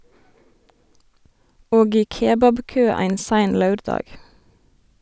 Og i kebabkø ein sein laurdag.